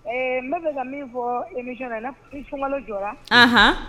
Ɛɛ n be fɛ ka min fɔɔ émission na in'a f ni suŋalo jɔra anhan